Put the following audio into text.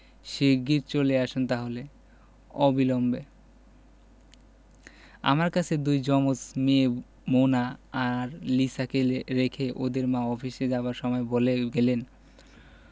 শিগগির চলে আসুন তাহলে অবিলম্বে আমার কাছে দুই জমজ মেয়ে মোনা আর লিসাকে রেখে ওদের মা অফিসে যাবার সময় বলে গেলেন